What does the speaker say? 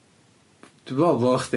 Dwi'n meddwl bo' chdi...